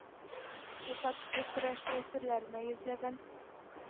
Илфат кул көрәше серләренә йөзләгән